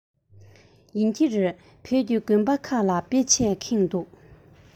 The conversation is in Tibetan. ཡིན གྱི རེད བོད ཀྱི དགོན པ ཁག ལ དཔེ ཆས ཁེངས འདུག ག